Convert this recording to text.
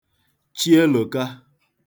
Chieloka